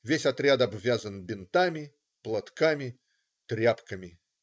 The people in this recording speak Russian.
Весь отряд обвязан бинтами, платками, тряпками.